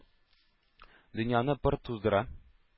Дөньяны пыр туздыра?